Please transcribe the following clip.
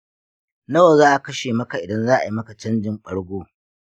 nawa za'a kashe maka idan za'ayi maka canjin ɓargo.